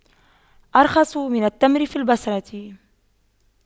أرخص من التمر في البصرة